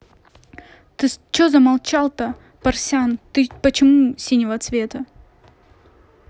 ты че замолчал то парсян ты почему синего света